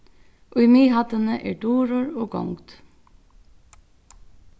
í miðhæddini er durur og gongd